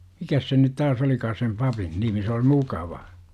mikäs sen nyt tässä olikaan sen - papin nimi se oli mukava